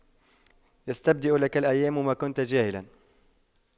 ستبدي لك الأيام ما كنت جاهلا